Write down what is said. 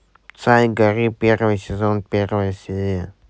царь горы первый сезон первая серия